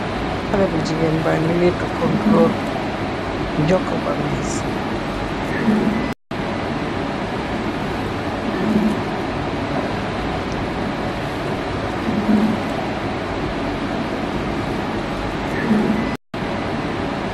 Xalèh bu gigeen ba ngi lèttu kondrol jokako més.